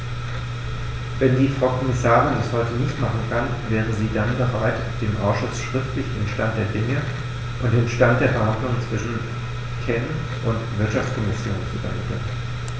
Wenn die Frau Kommissarin das heute nicht machen kann, wäre sie dann bereit, dem Ausschuss schriftlich den Stand der Dinge und den Stand der Verhandlungen zwischen CEN und Wirtschaftskommission zu übermitteln?